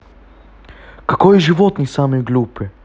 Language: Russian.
какое животное самое глупое